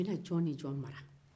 o bɛna jɔn ni jɔn mara